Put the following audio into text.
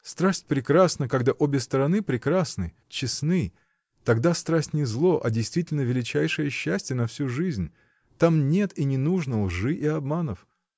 — Страсть прекрасна, когда обе стороны прекрасны, честны, — тогда страсть не зло, а действительно величайшее счастье на всю жизнь: там нет и не нужно лжи и обманов.